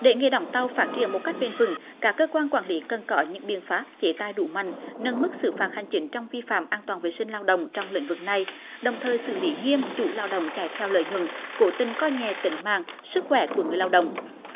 để nghề đóng tàu phát triển một cách bền vững các cơ quan quản lý cần có những biện pháp chế tài đủ mạnh nâng mức xử phạt hành chính trong vi phạm an toàn vệ sinh lao động trong lĩnh vực này đồng thời xử lý nghiêm chủ lao động chạy theo lợi nhuận cố tình coi nhẹ tính mạng sức khỏe của người lao động